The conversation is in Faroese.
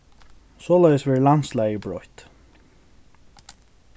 soleiðis verður landslagið broytt